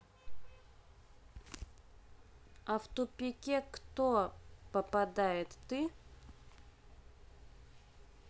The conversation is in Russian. а в тупике кто попадает ты